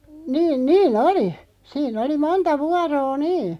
niin niin oli siinä oli monta vuoroa niin